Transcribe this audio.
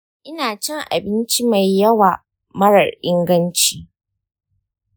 ina cin abinci mai yawa marar inganci